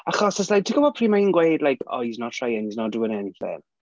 Achos it's like ti'n gwybod pryd mae hi'n gweud like "Oh he's not trying he's not doing anything*".